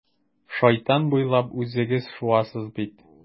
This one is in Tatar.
Шайтан буйлап үзегез шуасыз бит.